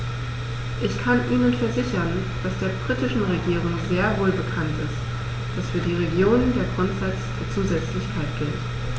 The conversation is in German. Ich kann Ihnen versichern, dass der britischen Regierung sehr wohl bekannt ist, dass für die Regionen der Grundsatz der Zusätzlichkeit gilt.